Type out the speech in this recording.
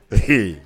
Ehee